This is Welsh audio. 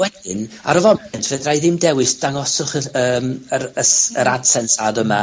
...wedyn ar y foment fedrai ddim dewis dangoswch y s- yym yr y s- yr Adsense ad yma